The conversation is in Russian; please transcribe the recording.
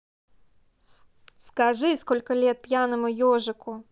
скажи сколько лет пьяному ежику